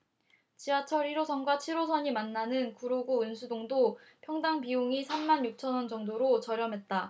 지하철 일 호선과 칠 호선이 만나는 구로구 온수동도 평당 비용이 삼 만 육천 원 정도로 저렴했다